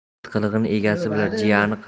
it qilig'ini egasi